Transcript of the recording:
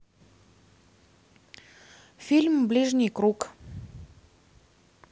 фильм ближний круг